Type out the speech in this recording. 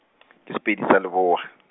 ke Sepedi sa Leboa .